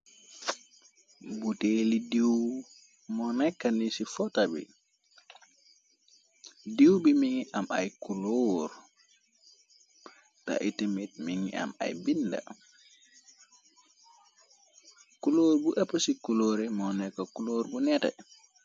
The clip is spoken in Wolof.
buteeli diiw moo nekka ni ci fota bi diiw bi mingi am ay kuloor ta itémit mi ngi am ay binde kulóor bu apou ci kuloore moo nekka kuloor bu nete